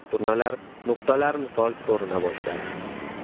turnalar nuqtalar misol ko'rina boshladi